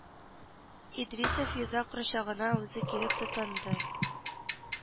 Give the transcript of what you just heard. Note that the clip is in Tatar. Идрисов йозак рычагына үзе килеп тотынды